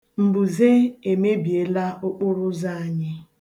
Mbụze emebiela okporụụzọ anyị.